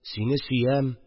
Сине сөям